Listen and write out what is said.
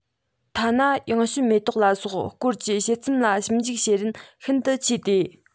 ཐ ན ཡང བྱོན མེ ཏོག ལ སོགས སྐོར གྱི དཔྱད རྩོམ ལ ཞིབ འཇུག བྱེད རིན ཤིན དུ ཆེ སྟེ